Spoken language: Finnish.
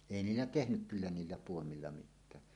ei niillä tehnyt kyllä niillä puomilla mitään